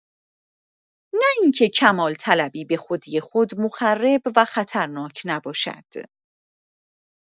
نه اینکه کمال‌طلبی به‌خودی‌خود مخرب و خطرناک نباشد.